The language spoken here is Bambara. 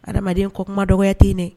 Adamadamaden ko kuma dɔgɔ tɛen